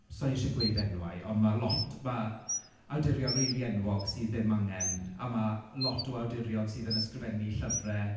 Sa i isie gweud enwau ond ma' lot... ma' awdurion rili enwog sydd ddim angen. A ma' lot o awdurion sydd yn ysgrifennu llyfrau...